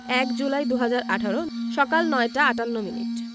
১ জুলাই ২০১৮ সকাল ৯টা ৫৮মিনিট